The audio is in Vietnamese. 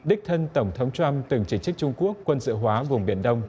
đích thân tổng thống trăm từng chỉ trích trung quốc quân sự hóa vùng biển đông